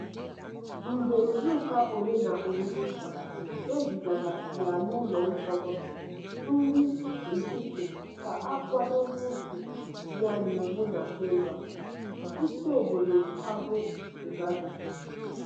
Mgbe izuụka ole na ole gachara, e zigara ya n'ụlọ mkpọrọ ndị nkịtị ka ha kwado nwụchi ya n'iwu na Pemba, isiobodo Cabo Delgado.